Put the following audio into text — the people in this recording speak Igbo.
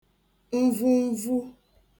mvumvu